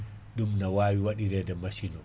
ɗum ne wawi waɗirede machine o